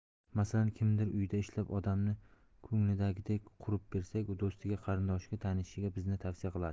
masalan kimnidir uyida ishlab odamni ko'nglidagidek qurib bersak u do'stiga qarindoshiga tanishiga bizni tavsiya qiladi